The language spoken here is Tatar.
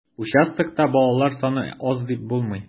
Участокта балалар саны аз дип булмый.